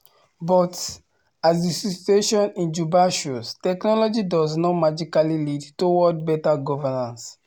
But, as the situation in Juba shows, technology does not magically lead toward better governance.